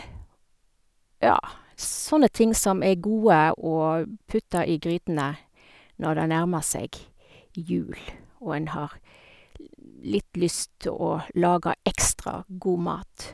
Ja, sånne ting som er gode å b putte i grytene når det nærmer seg jul, og en har litt lyst å lage ekstra god mat.